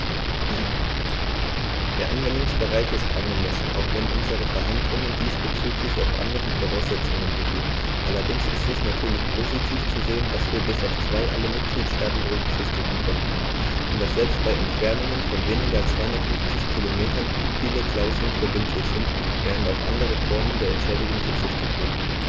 Der Anwendungsbereich ist angemessen, auch wenn unsere Verhandlungen diesbezüglich auf anderen Voraussetzungen beruhten, allerdings ist es natürlich positiv zu sehen, dass wir bis auf zwei alle Mitgliedstaaten berücksichtigen konnten, und dass selbst bei Entfernungen von weniger als 250 km viele Klauseln verbindlich sind, während auf andere Formen der Entschädigung verzichtet wird.